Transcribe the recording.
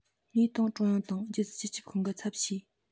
ངས ཏང ཀྲུང དབྱང དང རྒྱལ སྲིད སྤྱི ཁྱབ ཁང གི ཚབ ཞུས